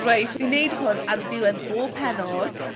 Reit ni'n wneud hwn ar ddiwedd bob pennod.